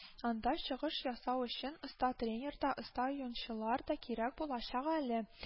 Анда чыгыш ясау өчен оста тренер да, оста уенчылар да кирәк булачак әле